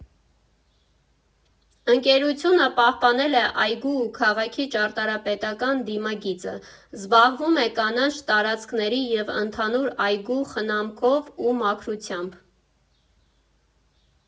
Ընկերությունը պահպանել է այգու ու քաղաքի ճարտարապետական դիմագիծը, զբաղվում է կանաչ տարածքների և ընդհանուր այգու խնամքով ու մաքրությամբ։